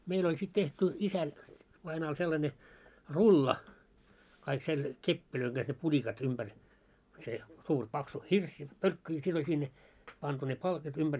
meillä oli sitten tehty isä vainajalla sellainen rulla kaikki - kepein kanssa ne pulikat ympäri se suuri paksu hirsi pölkky ja sitten oli sinne pantu ne palkit ympäri